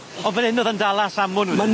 On' fan 'yn o'dd yn dala Samwn wedyn ia?